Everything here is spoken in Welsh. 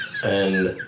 yn...